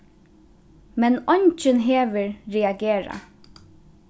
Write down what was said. men eingin hevur reagerað